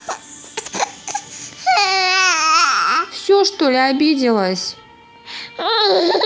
все что ли обиделась